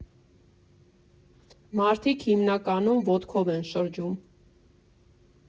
Մարդիկ հիմնականում ոտքով են շրջում։